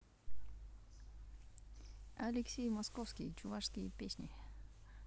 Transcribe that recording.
алексей московский чувашские песни